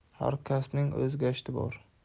har kasbning o'z gashti bor